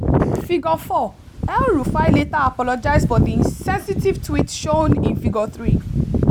Figure 4: El-Rufai later apologized for the “insensitive” tweet shown in Figure 3.